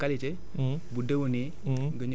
composter ko am matière organique de qualité